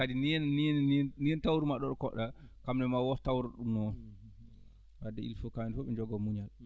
kadi ni henna ni ni tawruma ɗo koɗɗa kam ne maa wood tawruɗo ɗum noon wadde il: fra faut: fra kamɓe fof ɓe njogoo muñal